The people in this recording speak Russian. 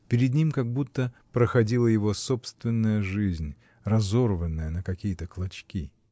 Перед ним как будто проходила его собственная жизнь, разорванная на какие-то клочки.